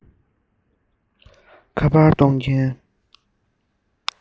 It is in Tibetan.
ཁ པར གཏོང མཁན